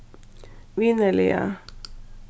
vinarliga